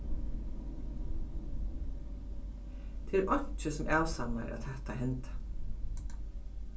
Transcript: tað er einki sum avsannar at hatta hendi